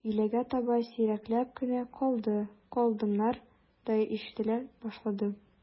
Өйләгә таба сирәкләп кенә «калды», «калдым»нар да ишетелә башлады.